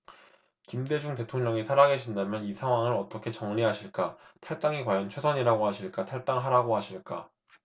김대중 대통령이 살아계신다면 이 상황을 어떻게 정리하실까 탈당이 과연 최선이라고 하실까 탈당하라고 하실까